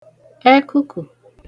ẹkụkụ̀